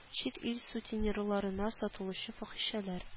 Чит ил сутенерларына сатылучы фахишәләр